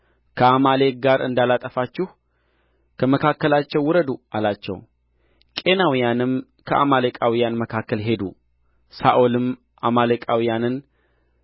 ከአማሌቅ ጋር እንዳላጠፋችሁ ከመካከላቸው ውረዱ አላቸው ቄናውያንም ከአማሌቃውያን መካከል ሄዱ ሳኦልም አማሌቃውያንን